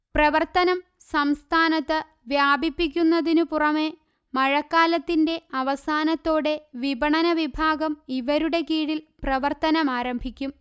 പ്രവർത്തനം സംസ്ഥാനത്ത് വ്യാപിപ്പിക്കുന്നതിനു പുറമേ മഴക്കാലത്തിന്റെ അവസാനത്തോടെ വിപണന വിഭാഗം ഇവരുടെ കീഴിൽ പ്രവർത്തനമാരംഭിക്കും